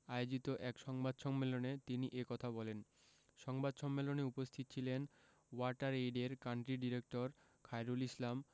আয়োজিত এক সংবাদ সম্মেলন তিনি এ কথা বলেন সংবাদ সম্মেলনে উপস্থিত ছিলেন ওয়াটার এইডের কান্ট্রি ডিরেক্টর খায়রুল ইসলাম